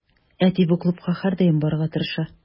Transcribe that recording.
Әти бу клубка һәрдаим барырга тырыша.